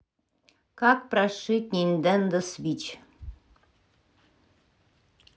как прошить nintendo switch